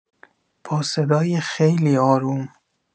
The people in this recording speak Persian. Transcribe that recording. با صدای خیلی آروم